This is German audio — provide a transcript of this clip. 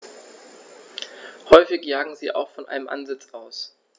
Häufig jagen sie auch von einem Ansitz aus.